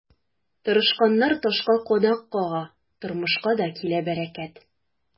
Тырышканнар ташка кадак кага, тормышка да килә бәрәкәт.